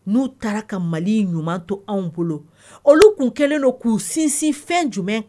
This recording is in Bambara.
N'u taara ka Mali ɲuman to anw bolo, olu tun kɛlen don k'u sinsin fɛn jumɛn